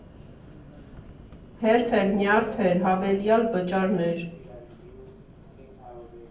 Հերթեր, նյարդեր, հավելյալ վճարներ…